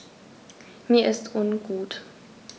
Mir ist ungut.